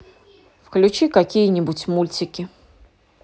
включи какие нибудь мультики